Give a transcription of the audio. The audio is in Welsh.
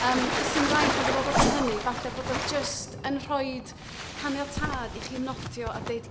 yym does dim rhaid iddo fo fod yn hynny. Falle bod o jyst yn rhoi caniatâd i chi nodio a deud...